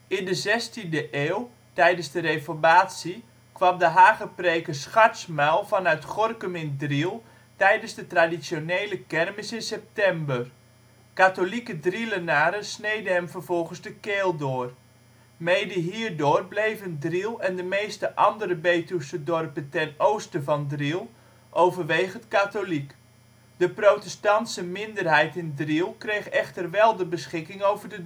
In de zestiende eeuw, tijdens de reformatie, kwam de hagepreker Scharzmaul vanuit Gorinchem in Driel tijdens de traditionele kermis in september. Katholieke Drielenaren sneden hem vervolgens de keel door. Mede hierdoor bleven Driel en de meeste andere Betuwse dorpen ten oosten van Driel overwegend katholiek [bron?]. De protestantse minderheid in Driel kreeg echter wel de beschikking over